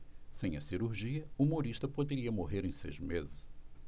sem a cirurgia humorista poderia morrer em seis meses